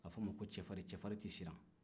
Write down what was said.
a bɛ f'o ma ko cɛfarin cɛfarin tɛ siran